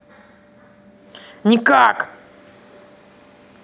никак